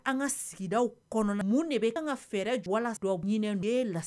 An ka sigida kɔnɔ minnu de bɛ an ka fɛɛrɛ jɔ la ɲinin de la